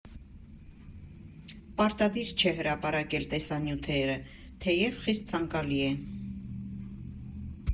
Պարտադիր չէ հրապարակել տեսանյութերը (թեև խիստ ցանկալի է.